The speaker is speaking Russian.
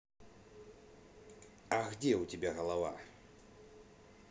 а где у тебя голова